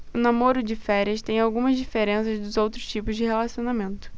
o namoro de férias tem algumas diferenças dos outros tipos de relacionamento